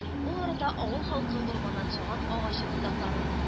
Ул арада авыл халкы урманнан чаган агачы ботакларын